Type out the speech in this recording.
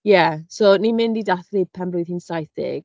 Ie, so ni'n mynd i dathlu penblwydd hi'n saith deg.